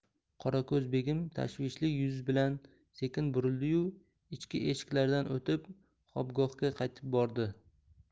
qorako'z begim tashvishli yuz bilan sekin burildi yu ichki eshiklardan o'tib xobgohga qaytib bordi